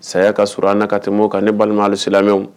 Saya ka surun an na ka tɛmɛ o ka ne balima alisilamɛw